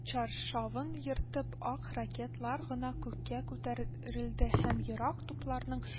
Чаршавын ертып, ак ракетлар гына күккә күтәрел релде, һәм ерак тупларның